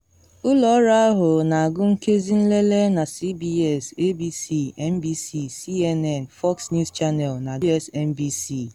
Ụlọ ọrụ ahụ na-agụ nkezi nlele na CBS, ABC, NBC, CNN, Fox News Channel na MSNBC.